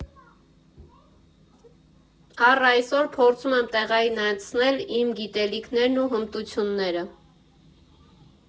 Առ այսօր փորձում եմ տեղայնացնել իմ գիտելիքներն ու հմտությունները։